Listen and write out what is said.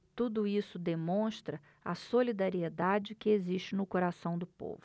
tudo isso demonstra a solidariedade que existe no coração do povo